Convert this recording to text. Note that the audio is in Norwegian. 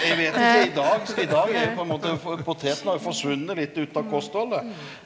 eg veit ikkje i dag i dag er jo på ein måte poteten har jo forsvunne litt ut av kostholdet.